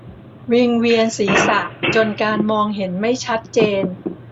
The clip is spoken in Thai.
วิงเวียนศีรษะจนการมองเห็นไม่ชัดเจน